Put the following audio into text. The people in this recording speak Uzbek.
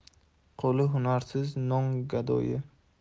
qo'li hunarsiz non gadoyi